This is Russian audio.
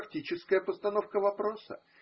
практическая постановка вопроса.